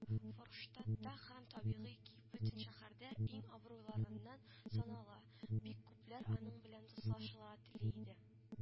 Форштадта һәм, табигый ки, бөтен шәһәрдә иң абруйүларыннан санала, бик күпләр аның белән дуслашыларга тели иде